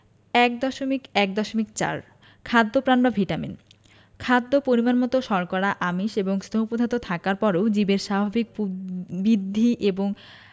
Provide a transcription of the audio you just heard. ১.১.৪ খাদ্যপ্রাণ বা ভিটামিন খাদ্য পরিমাণমতো শর্করা আমিষ এবং স্নেহ পদার্থ থাকার পরেও জীবের স্বাভাবিক বিদ্ধি এবং